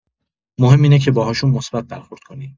مهم اینه که باهاشون مثبت برخورد کنی.